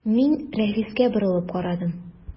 Мин Рафиска борылып карадым.